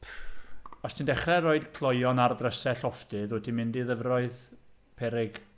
Os ti'n dechrau rhoi cloion ar ddrysau llofftydd, wyt ti'n mynd i ddyfroedd peryg?